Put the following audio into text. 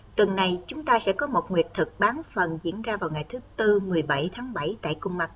tuần này chúng ta sẽ có một nguyệt thực bán phần diễn ra vào ngày thứ tư tại cung ma kết